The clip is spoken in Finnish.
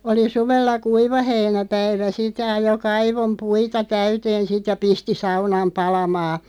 oli suvella kuivaheinäpäivä sitten ja ajoi kaivon puita täyteen sitten ja pisti saunan palamaan